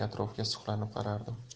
atrofga suqlanib qarardim